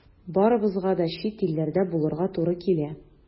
Барыбызга да чит илләрдә булырга туры килә.